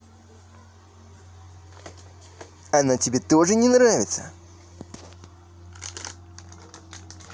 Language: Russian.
она тебе тоже не нравится